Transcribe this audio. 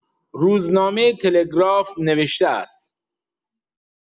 روزنامه تلگراف نوشته است